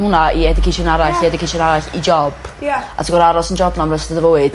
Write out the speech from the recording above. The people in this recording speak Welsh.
Ma' wnna i education arall... Ia. ...i education arall i job. Ia. A ti fod aros yn job 'na am rest* o dy fywyd.